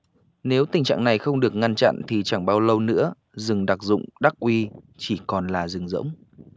nếu tình trạng này không được ngăn chặn thì chẳng bao lâu nữa rừng đặc dụng đắc uy chỉ còn là rừng rỗng